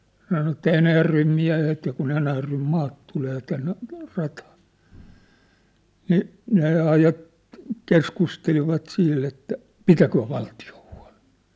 se sanoi että Enäjärven miehet ja kun Enäjärven maat tulee tänne rataan niin ne - keskustelivat sitten että pitäköön valtio huolen